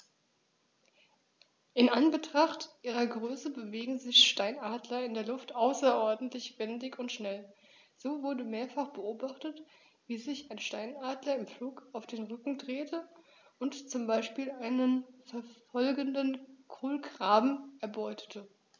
In Anbetracht ihrer Größe bewegen sich Steinadler in der Luft außerordentlich wendig und schnell, so wurde mehrfach beobachtet, wie sich ein Steinadler im Flug auf den Rücken drehte und so zum Beispiel einen verfolgenden Kolkraben erbeutete.